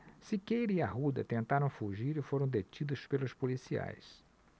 siqueira e arruda tentaram fugir e foram detidos pelos policiais